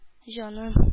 Җаным